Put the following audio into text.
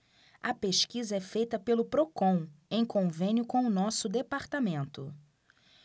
a pesquisa é feita pelo procon em convênio com o diese